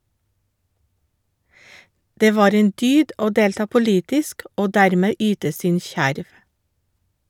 Det var en dyd å delta politisk å dermed yte sin skjerv.